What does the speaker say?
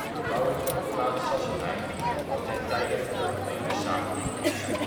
bebouwing van de plaats Sassenheim had ten tijde van de gemeentesamenvoeging zijn